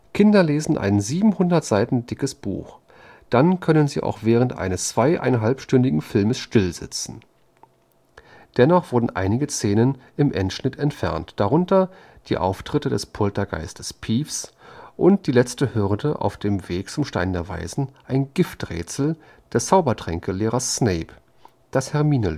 Kinder lesen ein 700 Seiten dickes Buch. Dann können sie auch während eines zweieinhalbstündigen Films still sitzen. Dennoch wurden einige Szenen im Endschnitt entfernt, darunter die Auftritte des Poltergeists Peeves und die letzte Hürde auf dem Weg zum Stein der Weisen, ein Gift-Rätsel des Zaubertränke-Lehrers Snape, das Hermine löst